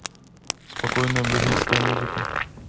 спокойная бразильская музыка